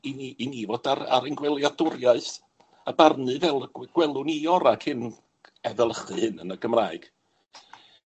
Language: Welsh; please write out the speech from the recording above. i ni i ni fod ar ar ein gweliadwriaeth, a barnu fel y gw- gwelwn ni ora' cyn efelychu hyn yn y Gymraeg.